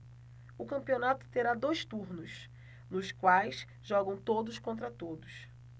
o campeonato terá dois turnos nos quais jogam todos contra todos